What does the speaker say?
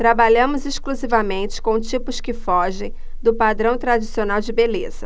trabalhamos exclusivamente com tipos que fogem do padrão tradicional de beleza